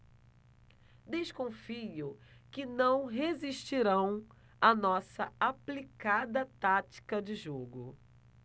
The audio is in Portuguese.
desconfio que não resistirão à nossa aplicada tática de jogo